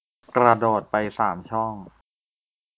กระโดดไปสามช่อง